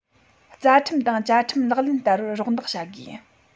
རྩ ཁྲིམས དང བཅའ ཁྲིམས ལག ལེན བསྟར བར རོགས འདེགས བྱ དགོས